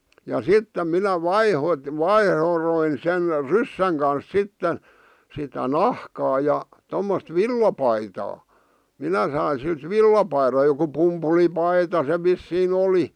ja sitten minä - vaihdoin sen ryssän kanssa sitten sitä nahkaa ja tuommoista villapaitaa minä sain siltä villapaidan joku pumpulipaita se vissiin oli